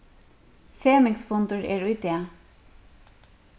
semingsfundur er í dag